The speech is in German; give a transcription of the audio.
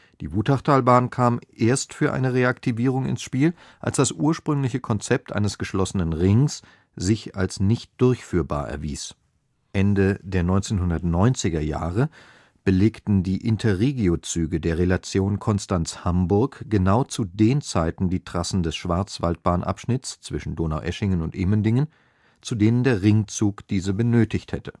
Die Wutachtalbahn kam erst für eine Reaktivierung ins Spiel, als das ursprüngliche Konzept eines geschlossenen Rings sich als nicht durchführbar erwies. Ende der 1990er Jahre belegten die InterRegio-Züge der Relation Konstanz – Hamburg genau zu den Zeiten die Trassen des Schwarzwaldbahn-Abschnitts zwischen Donaueschingen und Immendingen, zu denen der Ringzug diese benötigt hätte